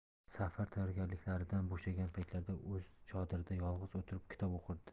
safar tayyorgarliklaridan bo'shagan paytlarda o'z chodirida yolg'iz o'tirib kitob o'qirdi